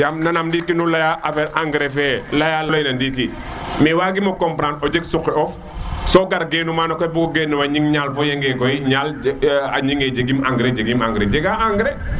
yam nanam ndiki nu leya affaire engrais fe leya ley na ndiki mais wagimo comprendre o djeg suqi of so gar genu mana koy bugo geen wa Gning ñal fo yenge koy ñal jegim engrais jegim engrais jega engrais